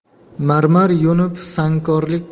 marmar yo'nib sangkorlik